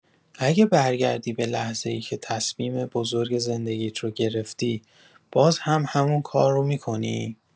اگه برگردی به لحظه‌ای که تصمیم بزرگ زندگیت رو گرفتی، باز هم همون کارو می‌کنی؟